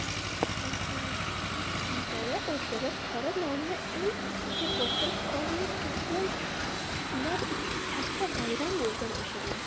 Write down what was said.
tanchada o'tirib qora nonni iliq suvga botirib qorinni to'qlash ular uchun katta bayram bo'lgan o'shanda